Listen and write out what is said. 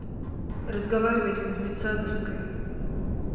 разговаривать как детсадовской